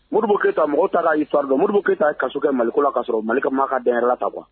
Moribu keyita mɔgɔw ta y'a'iri dɔn moribu keyita ka kɛ mali la ka sɔrɔ mali maa ka danɛrɛra ta kuwa